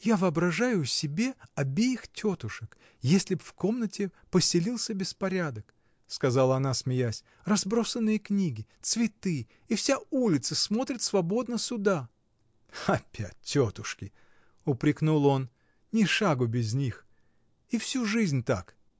— Я воображаю себе обеих тетушек, если б в комнате поселился беспорядок, — сказала она, смеясь, — разбросанные книги, цветы — и вся улица смотрит свободно сюда!. — Опять тетушки! — упрекнул он. — Ни шагу без них! И всю жизнь так?